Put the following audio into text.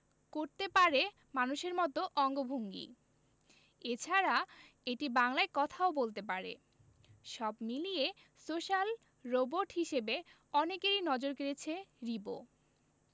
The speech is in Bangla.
করতে পারে মানুষের মতো অঙ্গভঙ্গি এছাড়া এটি বাংলায় কথাও বলতে পারে সব মিলিয়ে সোশ্যাল রোবট হিসেবে অনেকেরই নজর কেড়েছে রিবো